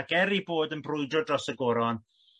ac er i bod yn brwydro dros y goron